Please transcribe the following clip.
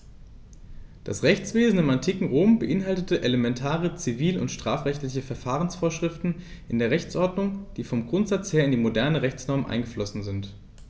Das Rechtswesen im antiken Rom beinhaltete elementare zivil- und strafrechtliche Verfahrensvorschriften in der Rechtsordnung, die vom Grundsatz her in die modernen Rechtsnormen eingeflossen sind.